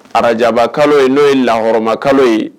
Arajaba kalo ye n'o ye laɔrɔma kalo ye